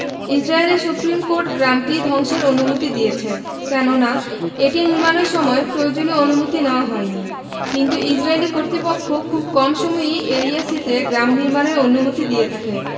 ইসরাইলের supreme court গ্রামটি ধ্বংসের অনুমতি দিয়েছে কেননা এটি নির্মাণের সময় প্রয়োজনীয় অনুমতি নেওয়া হয়নি কিন্তু ইসরাইলি কর্তৃপক্ষ খুব কম সময়ই এরিয়া সি তে গ্রাম নির্মাণের অনুমতি দিয়ে থাকে